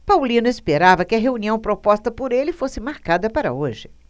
paulino esperava que a reunião proposta por ele fosse marcada para hoje